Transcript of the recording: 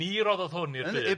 Ni roddodd hwn i'r .